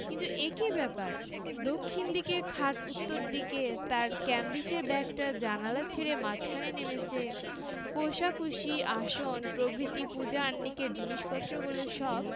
কিন্তু এ কি ব্যাপার দক্ষিণ দিকের খাট উত্তর দিকে তাঁর ক্যাম্বিসের ব্যাগটা জানালা ছেড়ে মাঝখানে নেমেচে কোষাকুষি আসন প্রভৃতি পূজা আহ্নিকের জিনিসপত্রগুলো সব